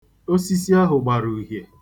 Osisi ahụ gbara uhie.